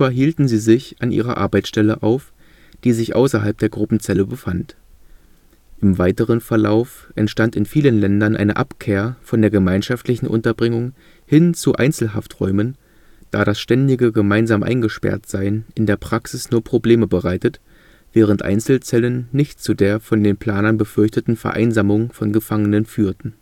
hielten sie sich an ihrer Arbeitsstelle auf, die sich außerhalb der Gruppenzelle befand. Im weiteren Verlauf entstand in vielen Ländern eine Abkehr von der gemeinschaftlichen Unterbringung hin zu Einzelhafträumen, da das ständige gemeinsam Eingesperrtsein in der Praxis nur Probleme bereitet, während Einzelzellen nicht zu der von den Planern befürchteten Vereinsamung von Gefangenen führten